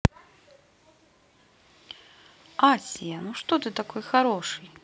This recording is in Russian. асия ну что ты такой хороший